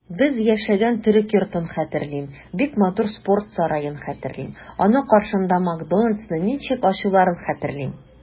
Без яшәгән төрек йортын хәтерлим, бик матур спорт сараен хәтерлим, аның каршында "Макдоналдс"ны ничек ачуларын хәтерлим.